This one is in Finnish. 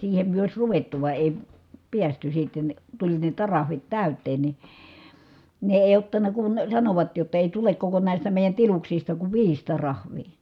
siihen me olisi ruvettu vai ei päästy sitten tuli ne tariffit täyteen niin ne ei ottanut kun sanoivat jotta ei tule koko näistä meidän tiluksista kuin viisi tariffia